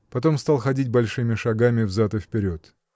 Потом стал ходить большими шагами взад и вперед.